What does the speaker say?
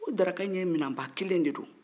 o daraka in ye mina ba kelen de do